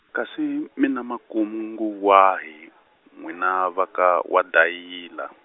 kasi mi na makungu wahi, n'wina va ka waDayila?